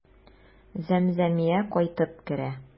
Зәмзәмия кайтып керә.